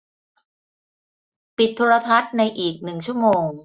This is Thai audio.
ปิดโทรทัศน์ในอีกหนึ่งชั่วโมง